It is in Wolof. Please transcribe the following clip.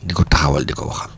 di ko taxawal di ko waxal